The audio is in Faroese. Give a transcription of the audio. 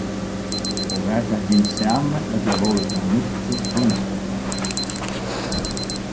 og var tað hin sami ella vóru tað níggju ymisk fólk